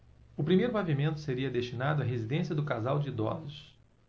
o primeiro pavimento seria destinado à residência do casal de idosos